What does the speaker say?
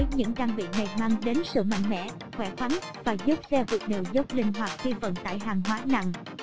với những trang bị này mang đến sự mạnh mẽ khỏe khoắn và giúp xe vượt đèo dốc linh hoạt khi vận tải hàng hóa nặng